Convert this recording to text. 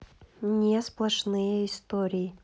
не сплошные истории